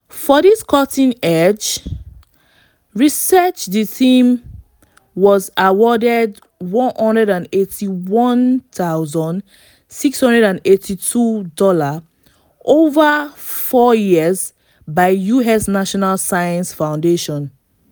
For this cutting-edge research the team was awarded $181,682 over four years by the US National Science Foundation.